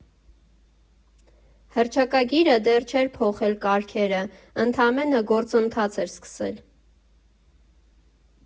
Հռչակագիրը դեռ չէր փոխել կարգերը, ընդամենը գործընթաց էր սկսվել.